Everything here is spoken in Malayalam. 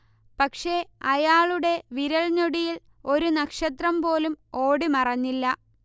പക്ഷേ, അയാളുടെ വിരൽഞൊടിയിൽ ഒരു നക്ഷത്രംപോലും ഓടിമറഞ്ഞില്ല